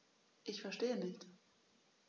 Ich verstehe nicht.